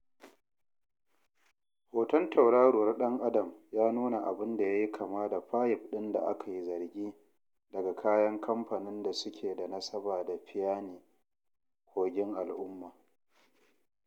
Hoton tauraruwar ɗan-adam ya nuna abun da ya yi kama da fayif ɗin da ake zargi daga kayan kamfanin da suke da nasaba da Feeane, kogin al'umma